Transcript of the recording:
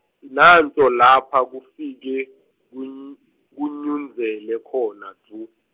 nanso lapha kufike, kun- kunyundzele khona dvu.